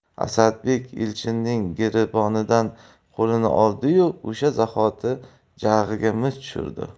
asadbek elchinning giribonidan qo'lini oldi yu o'sha zahoti jag'iga musht tushirdi